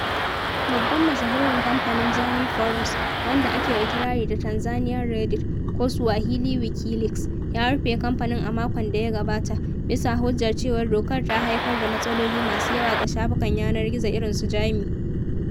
Babban Mashahurin kamfanin Jamii Forums — wanda akewa kirari da "Tanzanian Reddit" ko "Swahili Wikileaks" — ya rufe kamfanin a makon da ya gabata, bisa hujjar cewa dokar ta haifar da matsaloli masu yawa ga shafukan yanar gizo irin su Jamii.